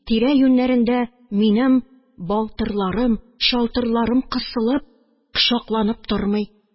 Тирә-юньнәрендә минем балтырларым, чалтырларым кысылып, кочакланып тормый